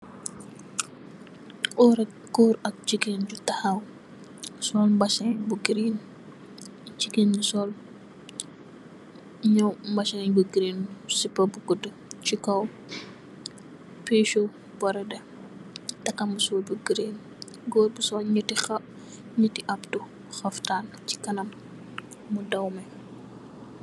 Gór ak jigeen ñu taxaw sol mbasen bu green, gijeen bi ñaw mbasen bu green sipá bu guddu ci kaw pissu borode tàkka mesor bu green. Gór bi bi sol ñetti abdou xaptan bu dawme ci kanam.